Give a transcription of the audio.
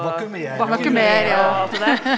vakuumering .